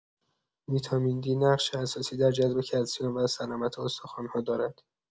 ویتامین دی نقش اساسی در جذب کلسیم و سلامت استخوان‌ها دارد.